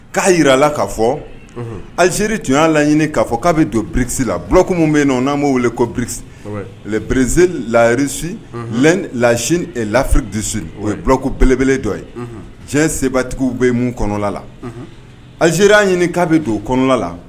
K'a jira la k ka'a fɔ azeri tun y'a laɲini k'a fɔ k'a bɛ don bierekisi la dulɔki min bɛ yen na n'an'o wele ko bi bereze layirisi lasi lafiririsi o ye bolokolɔku belebele dɔ ye tiɲɛ sebatigiw bɛ mun kɔnɔla la anzer' ɲini k'a bɛ don kɔnɔla la